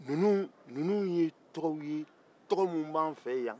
ninnu ye tɔgɔw ye tɔgɔ minnu b'an fɛ yan